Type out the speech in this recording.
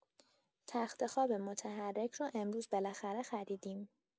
تخت‌خواب متحرک رو امروز بالاخره خریدیم.